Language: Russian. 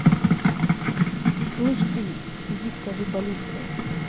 слышь ты иди скажи полиции